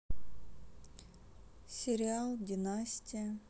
сериал династия